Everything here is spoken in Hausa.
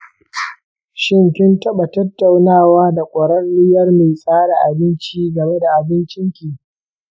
shin kin taɓa tattaunawa da ƙwararriyar mai tsara abinci game da abincinki?